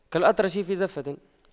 كالأطرش في الزَّفَّة